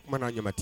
Kuma mana'a ɲamati